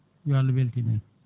yo Allah weltine